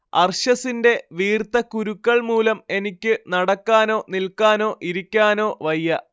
അർശസിന്റെ വീർത്ത കുരുക്കൾ മൂലം എനിക്ക് നടക്കാനോ നിൽക്കാനോ ഇരിക്കാനോ വയ്യ